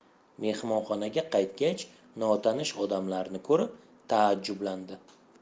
mehmonxonaga qaytgach notanish odamlarni ko'rib taajjublandi